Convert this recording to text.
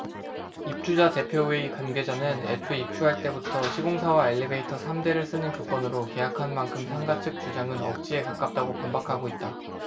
입주자 대표회의 관계자는 애초 입주할 때부터 시공사와 엘리베이터 삼 대를 쓰는 조건으로 계약한 만큼 상가 측 주장은 억지에 가깝다고 반박하고 있다